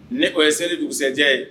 Ne o ye seli dugusɛjɛ ye